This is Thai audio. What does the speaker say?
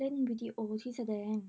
เล่นวิดีโอที่แสดง